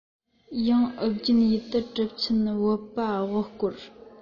ཡང ཨུ རྒྱན ཡུལ དུ གྲུབ ཆེན བིརྺ པ དབུ བསྐོར